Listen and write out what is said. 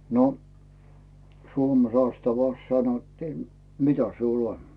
no Suomen sastavassa sanottiin mitä sinulla on